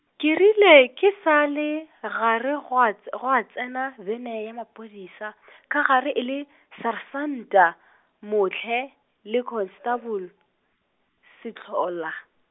ke rile ke sa le gare gwa tse-, gwa tsena bene ya maphodisa , ka gare e le, Sersanta Motle le konstabolo, Sehlola.